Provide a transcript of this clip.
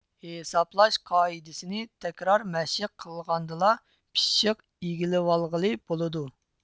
ھېسابلاش قائىدىسىنى تەكرار مەشق قىلغاندىلا پىششىق ئىگىلىۋالغىلى بولىدۇ